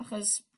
achos